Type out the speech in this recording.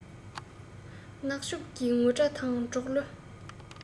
གནག ཕྱུགས ཀྱི ངུར སྒྲ དང འབྲོག གླུ